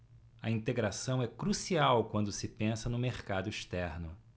a integração é crucial quando se pensa no mercado externo